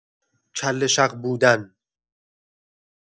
کله‌شق بودن